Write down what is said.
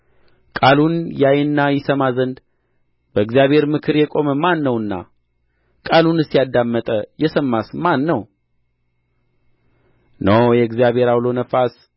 ቃሉን ያይና ይሰማ ዘንድ በእግዚአብሔር ምክር የቆመ ማን ነውና ቃሉንስ ያደመጠ የሰማስ ማን ነው እነሆ የእግዚአብሔር ዐውሎ ነፋስ